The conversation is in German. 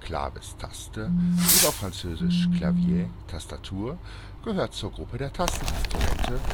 clavis „ Taste “über frz. clavier [klaˈvje] „ Tastatur “) gehört zur Gruppe der Tasteninstrumente